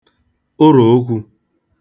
ụròokwū